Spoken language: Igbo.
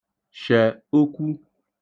sẹ̀ okwu